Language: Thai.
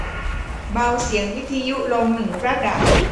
เบาเสียงวิทยุลงหนึ่งระดับ